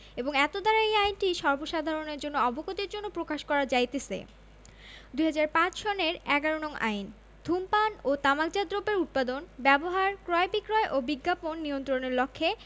এবং এতদ্বারা এই আইনটি সর্বসাধারণের জন্য অবগতির জন্য প্রকাশ করা যাইতেছে ঃ ২০০৫ সনের ১১ নং আইন ধূমপান ও তামাকজাত দ্রব্যের উৎপাদন ব্যবহার ক্রয় বিক্রয় ও বিজ্ঞাপন নিয়ন্ত্রণের লক্ষ্যে